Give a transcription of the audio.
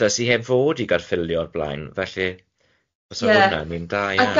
sy' heb fod i Gaerffili o'r blaen, felly fysa hwnna'n yn un dda iawn.